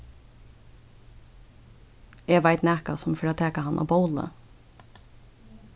eg veit nakað sum fer at taka hann á bóli